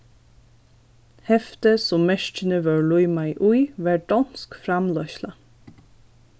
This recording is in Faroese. heftið sum merkini vórðu límaði í var donsk framleiðsla